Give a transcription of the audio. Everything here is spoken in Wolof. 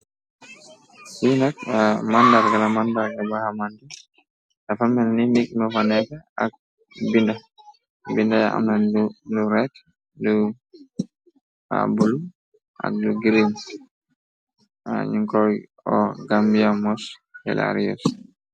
Binak màndargala màndar ya bahamandi dafa melni nig nofaneeke ak bindaya amna lu ret lu abul ak lu green noo gamiamos jelaries.